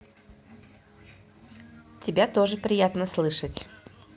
тебя тоже приятно слышать